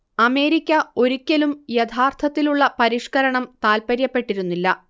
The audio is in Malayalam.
അമേരിക്ക ഒരിക്കലും യഥാർത്ഥത്തിലുള്ള പരിഷ്കരണം താല്പര്യപ്പെട്ടിരുന്നില്ല